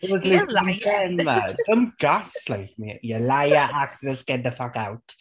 It was Luke and Gemma. Don't gaslight me you liar actress, get the fuck out.